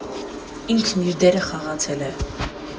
Ինքն իր դերը խաղացել է։